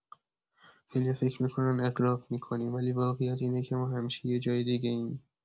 خیلیا فکر می‌کنن اغراق می‌کنیم، ولی واقعیت اینه که ما همیشه یه جای دیگه‌ایم.